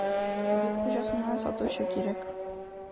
Кибет хуҗасына сатучы кирәк.